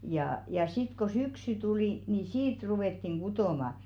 jaa ja sitten kun syksy tuli niin siitä ruvettiin kutomaan